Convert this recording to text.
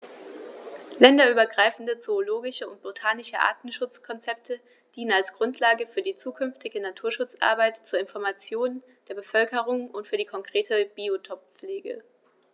Länderübergreifende zoologische und botanische Artenschutzkonzepte dienen als Grundlage für die zukünftige Naturschutzarbeit, zur Information der Bevölkerung und für die konkrete Biotoppflege.